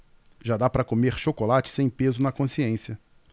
já dá para comer chocolate sem peso na consciência